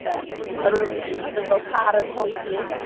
A maen nhw i gyd yn fel paratoi hi, it's like...